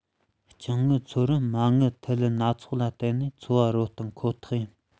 རྐང དངུལ ཚོང རར མ དངུལ ཐབས ལམ སྣ ཚོགས ལ བརྟེན ནས འཚོ བ རོལ སྟངས ཁོ ཐག ཡིན